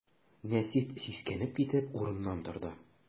Нәсим, сискәнеп китеп, урыныннан торды.